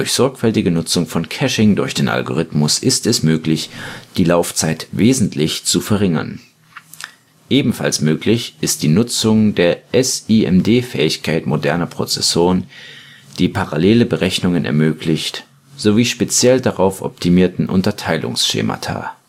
sorgfältige Nutzung von Caching durch den Algorithmus ist es möglich, die Laufzeit wesentlich zu verringern. Ebenfalls möglich ist die Nutzung der SIMD-Fähigkeit moderner Prozessoren, die parallele Berechnungen ermöglicht, sowie speziell darauf optimierter Unterteilungsschemata